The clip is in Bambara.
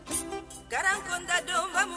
Karamɔgɔkun ka don ma